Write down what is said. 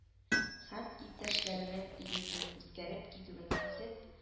Һәм иптәшләренең йөзе үзгәреп китүен сизеп